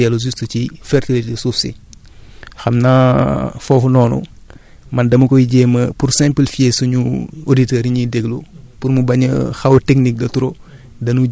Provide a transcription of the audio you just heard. loolu dafay dellu juste ci fertiliser suuf si xam naa foofu noonu man dama koy jéem a pour simplifier suñu auditeurs yi ñuy déglu pour mu bañ a xaw a technique de trop